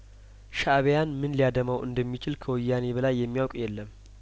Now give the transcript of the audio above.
ሻእቢያን ምን ሊያደማው እንደሚችል ከወያኔ በላይ የሚያውቅ የለም